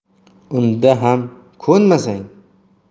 unda ham ko'nmasang